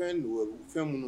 Fɛn fɛn minnu